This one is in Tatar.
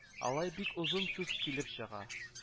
Алай бик озын сүз килеп чыга